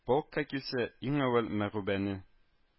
Полкка килсә, иң әүвәл Мәгүбәне